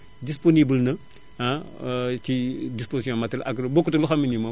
disponible na ah ci disposition matériel agri bokkul ak loo xam ne ni moom